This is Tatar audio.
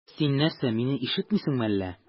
Син нәрсә, мине ишетмисеңме әллә?